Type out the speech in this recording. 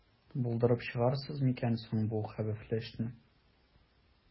Булдырып чыгарсыз микән соң бу хәвефле эшне?